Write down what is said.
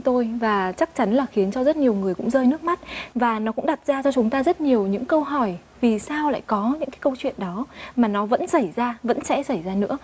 tôi và chắc chắn là khiến cho rất nhiều người cũng rơi nước mắt và nó cũng đặt ra cho chúng ta rất nhiều những câu hỏi vì sao lại có những câu chuyện đó mà nó vẫn xảy ra vẫn sẽ xảy ra nữa